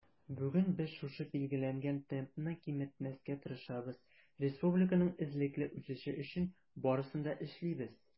Бүген без шушы билгеләнгән темпны киметмәскә тырышабыз, республиканың эзлекле үсеше өчен барысын да эшлибез.